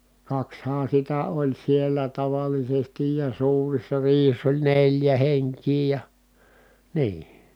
kaksihan sitä oli siellä tavallisesti ja suurissa riihissä oli neljä henkeä ja niin